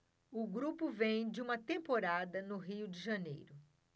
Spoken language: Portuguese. o grupo vem de uma temporada no rio de janeiro